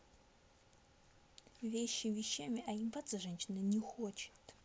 вещи вещами а ебаться женщина хочет